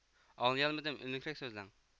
ئاڭلىيالمىدىم ئۈنلۈكرەك سۆزلەڭ